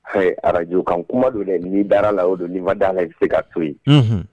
Hɛ radio kan kuma don dɛ ni daar'a la o don ni ma d'a la i be se ka to ye unhun